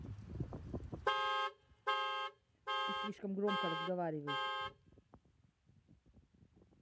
ты слишком громко разговариваешь